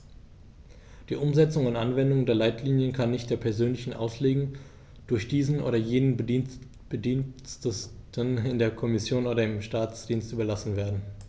Die Umsetzung und Anwendung der Leitlinien kann nicht der persönlichen Auslegung durch diesen oder jenen Bediensteten in der Kommission oder im Staatsdienst überlassen werden.